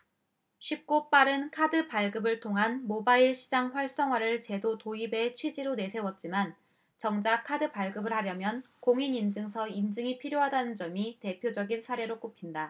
쉽고 빠른 카드 발급을 통한 모바일 시장 활성화를 제도 도입의 취지로 내세웠지만 정작 카드 발급을 하려면 공인인증서 인증이 필요하다는 점이 대표적인 사례로 꼽힌다